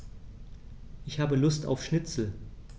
Ich habe Lust auf Schnitzel.